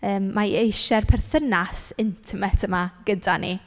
Yym ma' eisiau'r perthynas intimate yma gyda ni.